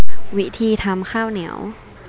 วิธีทำข้าวเหนียว